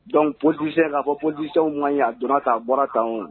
Donc politicien ka fɔ ko politiciens man ɲi a don na tan , a bɔra tan wo